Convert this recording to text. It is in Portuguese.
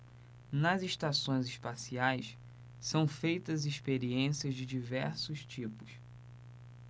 nas estações espaciais são feitas experiências de diversos tipos